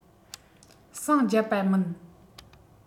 ཟིང རྒྱབ པ མིན